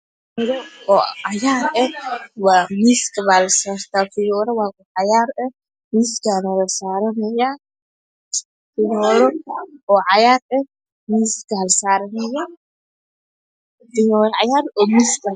Fiyoro cagar ah miska la saranaya